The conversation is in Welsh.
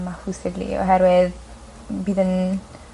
... mahoosively oherwydd m- bydd yn